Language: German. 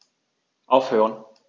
Aufhören.